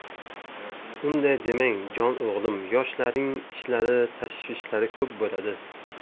unday demang jon o'g'lim yoshlarning ishlari tashvishlari ko'p bo'ladi